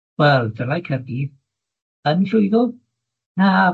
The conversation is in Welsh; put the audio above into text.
Wel dylai Caerdydd yn llwyddo, na